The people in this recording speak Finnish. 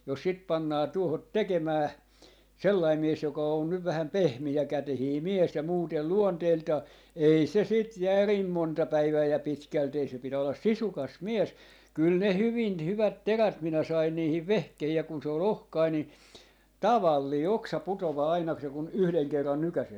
jos sitä pannaan tuohon tekemään sellainen mies joka on nyt vähän pehmeäkätinen mies ja muuten luonteeltaan ei se sitä järin monta päivää ja pitkälti ei se pitää olla sisukas mies kyllä ne hyvin hyvät terät minä sain niihin vehkeisiin ja kun se oli ohkainen niin tavallinen oksa putoaa aina kun se kun yhden kerran nykäisee